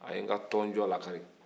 a ye n ka tɔnjɔ lakari